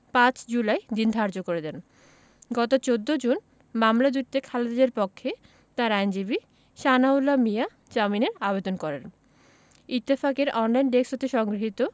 ৫ July দিন ধার্য করে দেন গত ১৪ জুন মামলা দুটিতে খালেদা জিয়ার পক্ষে তার আইনজীবী সানাউল্লাহ মিয়া জামিনের আবেদন করেন ইত্তফাকের অনলাইন ডেস্ক হতে সংগৃহীত